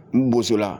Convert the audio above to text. N bo la